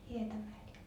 Hietamäeltä